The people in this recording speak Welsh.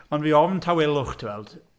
Ond fi ofn tawelwch, ti'n gweld.